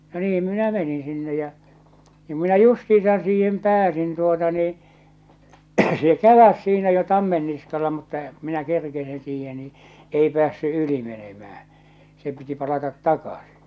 no niin minä menin sinne ja niin minä justiinsa siihen pääsin tuota niin se käväisi siinä jo tammen niskalla mutta ja minä kerkesin siihen niin ei päässyt yli menemään se piti palata takaisin